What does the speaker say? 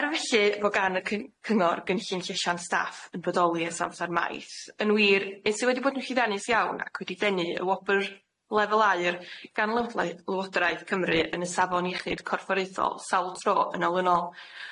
Er felly fo' gan y cy- cyngor gynllun llesiant staff yn bodoli ers amser maith, yn wir es i wedi bod yn llwyddiannus iawn ac wedi denu y wobr lefel aur gan lef- le- Lywodraeth Cymru yn y safon iechyd corfforaethol sawl tro yn olynol.